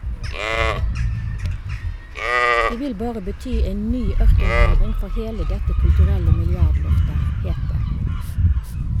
Det vil bare bety en ny ørkenvandring for hele dette kulturelle milliardløftet, het det.